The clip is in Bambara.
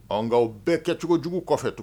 Bɛɛ kɛcogo jugu kɔfɛ to